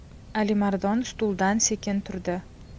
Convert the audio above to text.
alimardon stuldan sekin turdi